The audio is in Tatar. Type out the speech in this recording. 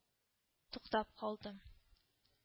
Туктап калдым